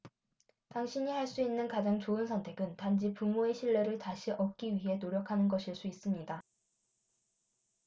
당신이 할 수 있는 가장 좋은 선택은 단지 부모의 신뢰를 다시 얻기 위해 노력하는 것일 수 있습니다